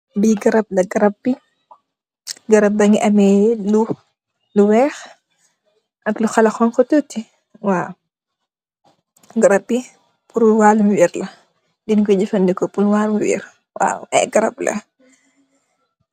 Lii garab la, garab bi mu ngi am lu weex ak lu xala xooñxu tuuti, waaw. Gatab bi, pur waalu wer la.vDàñg kooy jafëndeko pur walo wer.